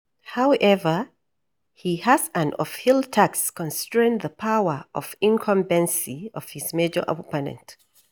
However, he has an uphill task considering the power of incumbency of his major opponent.